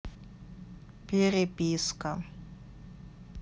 переписка